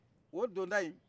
o donda yin